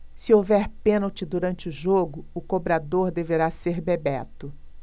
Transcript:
se houver pênalti durante o jogo o cobrador deverá ser bebeto